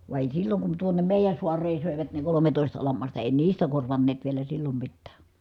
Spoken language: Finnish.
vaan ei silloin kun tuonne meidän saareen söivät ne kolmetoista lammasta ei niistä korvanneet vielä silloin mitään